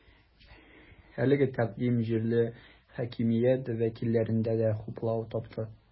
Әлеге тәкъдим җирле хакимият вәкилләрендә дә хуплау тапты.